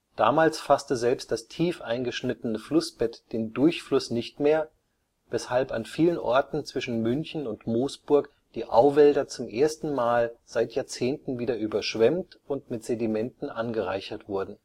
Damals fassten selbst das tief eingeschnittene Flussbett den Durchfluss nicht mehr, weshalb an vielen Orten zwischen München und Moosburg die Auwälder zum ersten Mal seit Jahrzehnten wieder überschwemmt und mit Sedimenten angereichert wurden